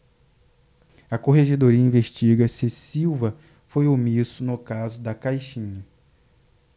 a corregedoria investiga se silva foi omisso no caso da caixinha